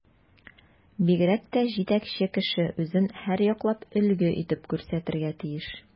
Бигрәк тә җитәкче кеше үзен һәрьяклап өлге итеп күрсәтергә тиеш.